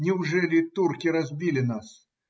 Неужели турки разбили нас?